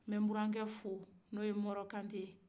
n bɛ n burankɛ fo n'o mɔrɔ kante ye